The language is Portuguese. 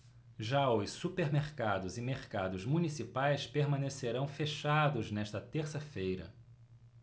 já os supermercados e mercados municipais permanecerão fechados nesta terça-feira